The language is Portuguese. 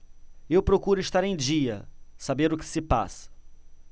eu procuro estar em dia saber o que se passa